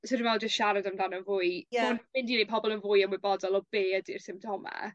So dwi me'wl jyst siarad amdano fwy... Ie. ...ma' o'n fynd i neud pobol yn fwy ymwybodol o be' ydi'r symtome